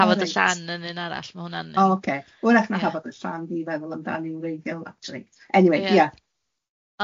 Hafod y Llan yn un arall ma' hwnna'n... O ocê ia w'rach na Hafod y Llan dwi'n feddwl amdani'n wreiddiol acshyli. Eniwei ia.